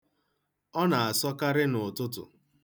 Ọ na-asọkarị n'ụtụtụ.